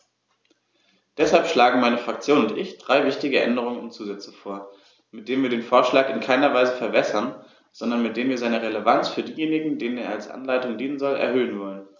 Deshalb schlagen meine Fraktion und ich drei wichtige Änderungen und Zusätze vor, mit denen wir den Vorschlag in keiner Weise verwässern, sondern mit denen wir seine Relevanz für diejenigen, denen er als Anleitung dienen soll, erhöhen wollen.